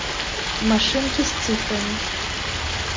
машинки с цифрами